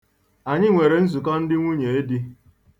Anyị nwere nzukọ ndị nwunyeedi.